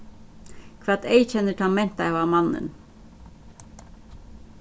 hvat eyðkennir tann mentaða mannin